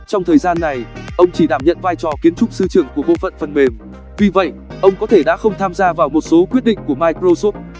trong thời gian này ông chỉ đảm nhận vai trò kiến trúc sư trưởng của bộ phận phần mềm vì vậy ông có thể đã không tham gia vào một số quyết định của microsoft